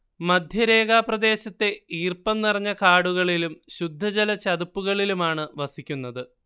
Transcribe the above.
മധ്യരേഖാപ്രദേശത്തെ ഈർപ്പം നിറഞ്ഞ കാടുകളിലും ശുദ്ധജലചതുപ്പുകളിലുമാണ് വസിക്കുന്നത്